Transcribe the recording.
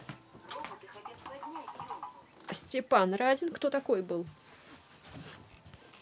степан разин кто такой был